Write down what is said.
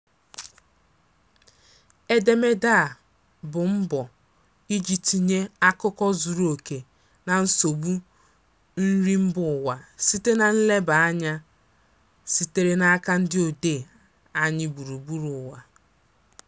Edemede a bụ mbọ iji tinye akụkọ zuru oke na nsogbu nri mbaụwa site na nlebanya sitere n'aka ndị odee anyị gburugburu ụwa.